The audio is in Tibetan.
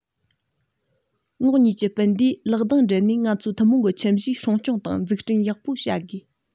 ངོགས གཉིས ཀྱི སྤུན ཟླས ལག གདང སྦྲེལ ནས ང ཚོའི ཐུན མོང གི ཁྱིམ གཞིས སྲུང སྐྱོང དང འཛུགས སྐྲུན ཡག པོ བྱ དགོས